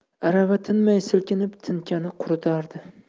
arava tinmay silkinib tinkani quritardi